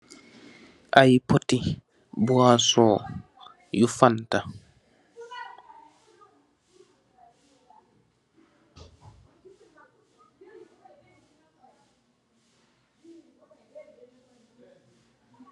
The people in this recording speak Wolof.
Aye potti boission, yu fanta.